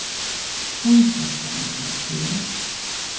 hundrað gramm av ger